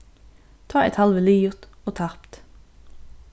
tá er talvið liðugt og tapt